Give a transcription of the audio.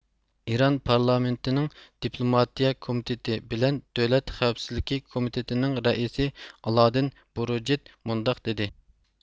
ئىران پارلامېنتىنىڭ دېپلوماتىيە كومىتېتى بىلەن دۆلەت خەۋپىسزلىكى كومىتېتىنىڭ رەئىسى ئالادىن بۇرۇجېد مۇنداق دېدى